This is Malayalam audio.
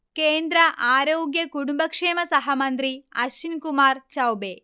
കേന്ദ്ര ആരോഗ്യ-കുടുംബക്ഷേമ സഹമന്ത്രി അശ്വിൻ കുമാർ ചൌബേ